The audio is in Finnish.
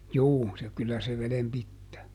juu se kyllä se veden pitää